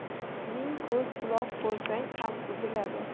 ming ko'z quloq bo'lsang ham buziladi